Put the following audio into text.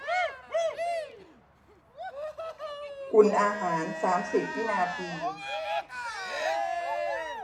อุ่นอาหารสามสิบวินาที